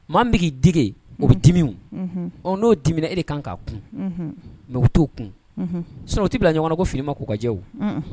Maa b'i dege u bɛ dimi ɔ n'o dimina e kan ka kun mɛ u t'o kun s u tɛ bila ɲɔgɔn ko fini ma k' ka jɛ